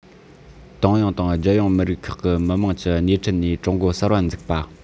ཏང ཡོངས དང རྒྱལ ཡོངས མི རིགས ཁག གི མི དམངས ཀྱི སྣེ ཁྲིད ནས ཀྲུང གོ གསར པ བཙུགས པ